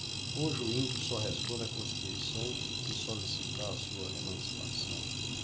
hoje o índio só responde à constituição se solicitar sua emancipação